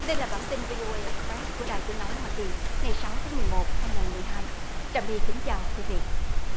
đây là bản tin vi ô ây ịch pét của đài tiếng nói hoa kỳ ngày sáu tháng mười một hai nghìn mười hai dã my kính chào quý vị